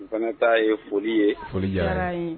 Un fana ta ye foli ye, foli jara an ye, foli jara an ye.